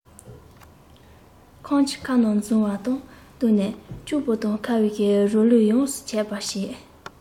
ཁམ ཆུ ཁ ནང འཛུལ བ དང བསྟུན ནས སྐྱུར པོ དང ཁ བའི རོ ལུས ཡོངས སུ ཁྱབ པར བྱེད